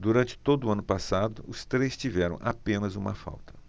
durante todo o ano passado os três tiveram apenas uma falta